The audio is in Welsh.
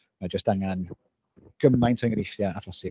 Ma' jyst angen gymaint o enghreifftiau â phosib.